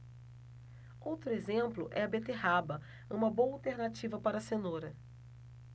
outro exemplo é a beterraba uma boa alternativa para a cenoura